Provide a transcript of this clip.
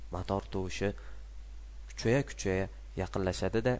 motor tovushi kuchaya kuchaya yaqinlashadi da